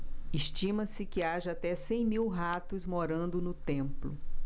estima-se que haja até cem mil ratos morando no templo